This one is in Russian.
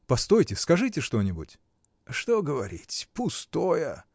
— Постойте, скажите что-нибудь. — Что говорить: пустое!